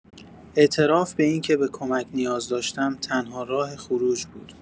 اعتراف به اینکه به کمک نیاز داشتم، تنها راه خروج بود.